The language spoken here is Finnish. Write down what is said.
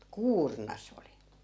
kuurna se oli